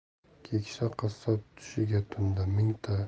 keksa qassob tushiga